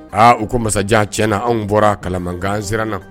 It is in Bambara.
Aa u ko masajan ti na anw bɔra kalamankan siranna